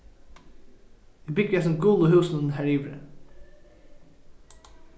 eg búgvi í hasum gula húsinum har yviri